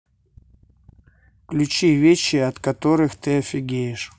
включи вещи от которых ты офигеешь